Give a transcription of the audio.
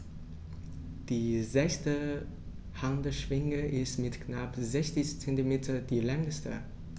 Die sechste Handschwinge ist mit knapp 60 cm die längste.